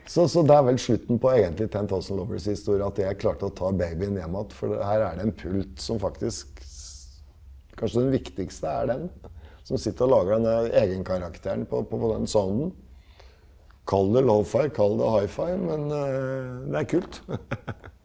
så så det er vel slutten på egentlig Ten Thousand Lovers historie, at jeg klarte å ta babyen hjem att, for det her er det en pult som faktisk kanskje det viktigste er den som sitter og lager denne egenkarakteren på på på den sounden, kall det lo-fi, kall det hi-fi, men det er kult .